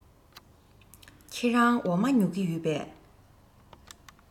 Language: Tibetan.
ཁྱེད རང འོ མ ཉོ གི ཡོད པས